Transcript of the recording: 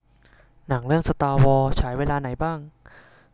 หนังเรื่องสตาร์วอร์ฉายเวลาไหนบ้าง